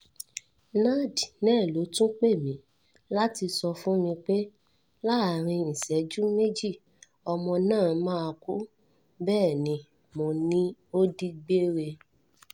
Nad náà ló tún pè mí láti sọ fún mi pé láàrin ìṣẹ́jú méjì, ọmọ náà máa kú. Bẹ́è ni mo ní ó digbére.